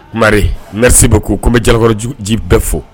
Mariari moriri bɛ ko ko n bɛ jalakɔrɔ jugu ji bɛɛ fɔ